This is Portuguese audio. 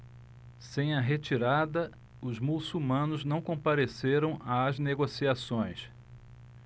sem a retirada os muçulmanos não compareceram às negociações